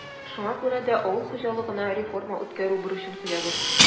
Шуңа күрә дә авыл хуҗалыгына реформа үткәрү бурычын куябыз.